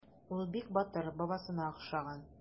Ул бик батыр, бабасына охшаган.